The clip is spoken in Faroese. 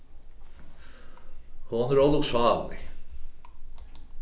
hon er ólukksálig